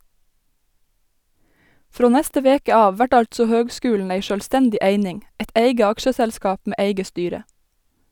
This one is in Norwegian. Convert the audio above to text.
Frå neste veke av vert altså høgskulen ei sjølvstendig eining , eit eige aksjeselskap med eige styre.